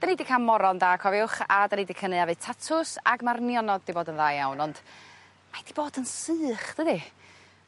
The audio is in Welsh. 'Dyn ni 'di ca'l moron da cofiwch a 'dyn 'di cynaeafu tatws ag ma'r nionod 'di fod yn dda iawn ond mae 'di bod yn sych dydi?